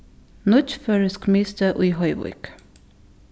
nýggj føroysk miðstøð í hoyvík